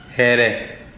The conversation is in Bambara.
hɛrɛ